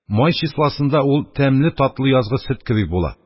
Май числосында ул тәмле-татлы язгы сөт кеби була.